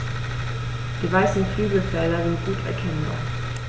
Die weißen Flügelfelder sind gut erkennbar.